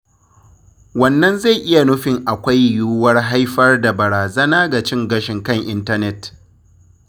Wannan zai iya nufin akwai yuwuwar haifar da barazana ga cin gashin kan intanet.